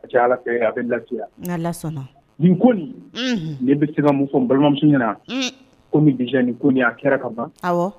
A cɛ ala fɛ a bɛ lafiya la nin ko ne bɛ semu fɔ n balimamuso ɲɛna ko nin ko nin a kɛra ka ban